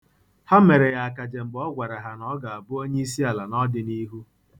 Ha mere ya akaja mgbe ọ gwara ha na ọ ga-abụ onye isiala n'ọdịniihu.